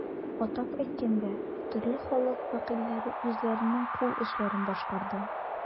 Атап әйткәндә, төрле халык вәкилләре үзләренең кул эшләрен башкарды.